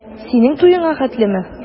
Синең туеңа хәтлеме?